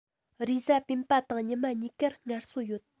རེས གཟའ སྤེན པ དང ཉི མ གཉིས ཀར ངལ གསོ ཡོད